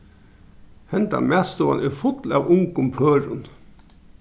hendan matstovan er full av ungum pørum